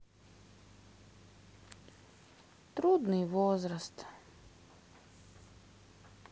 трудный возраст